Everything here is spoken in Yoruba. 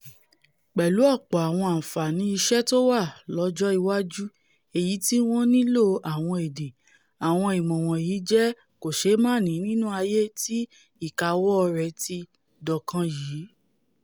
Pẹ̀lú ọ̀pọ̀ àwọn àǹfààni iṣẹ̵́ tówà lọ́jọ́ iwájú èyití wọ́n nílò àwọn èdè, àwọn ìmọ̀ wọ̀nyí jẹ́ kòṣeémáàní nínú ayé tí ìkáwọ́ rẹ̀ ti dọ̀kan yìí.